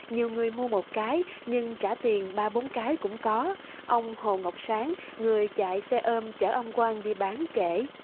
nhiều người mua một cái nhưng trả tiền ba bốn cái cũng có ông hồ ngọc sáng người chạy xe ôm chở ông quan đi bán kể